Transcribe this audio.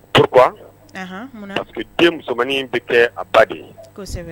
Purkuwa Paske den musomannin bɛ kɛ a ba de ye.